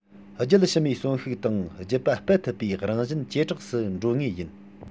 རྒྱུད ཕྱི མའི གསོན ཤུགས དང རྒྱུད པ སྤེལ ཐུབ པའི རང བཞིན ཇེ དྲགས སུ འགྲོ ངེས ཡིན